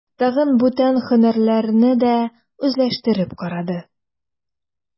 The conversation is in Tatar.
Тагын бүтән һөнәрләрне дә үзләштереп карады.